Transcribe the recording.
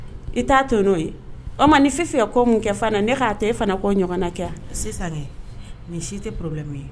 I t'a to yen n'o ye o ma ni fi fɛ mun kɛ fana ne k'a e fana ko ɲɔgɔn kɛ si tɛ ye